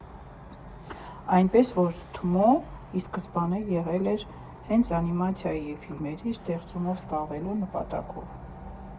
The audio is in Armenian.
Այնպես որ՝ Թումո ի սկզբանե եկել էր հենց անիմացիայի և ֆիլմերի ստեղծումով զբաղվելու նպատակով։